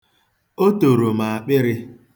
O toro m akpịrị.